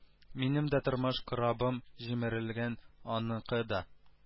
Минем дә тормыш корабым җимерелгән аныкы да